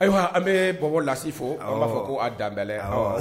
Ayiwa an bɛ bɔlasi fo b'a fɔ ko daɛlɛ fɔ